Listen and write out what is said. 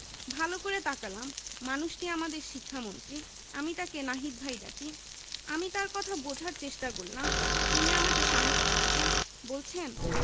ভালো করে তাকালাম মানুষটি আমাদের শিক্ষামন্ত্রী আমি তাকে নাহিদ ভাই ডাকি আমি তার কথা বোঝার চেষ্টা করলাম তিনি আমাকে সাহস দিচ্ছেন বলছেন